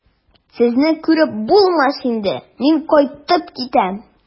Сезне күреп булмас инде, мин кайтып китәм.